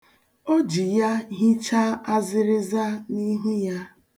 O ji ya hichaa azịrịza n'ihu ya.